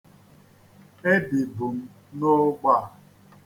Ebibu m n'ogbe a.